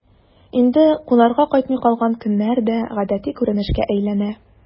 Инде кунарга кайтмый калган көннәр дә гадәти күренешкә әйләнә...